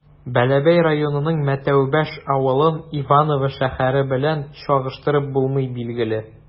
Бәләбәй районының Мәтәүбаш авылын Иваново шәһәре белән чагыштырып булмый, билгеле.